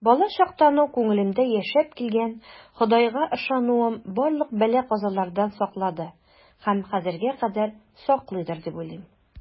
Балачактан ук күңелемдә яшәп килгән Ходайга ышануым барлык бәла-казалардан саклады һәм хәзергә кадәр саклыйдыр дип уйлыйм.